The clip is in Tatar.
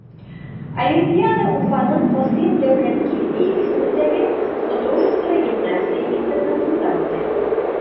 Олимпиада Уфаның Касыйм Дәүләткилдиев исемендәге художество гимназия-интернатында үтә.